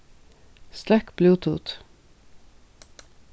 sløkk bluetooth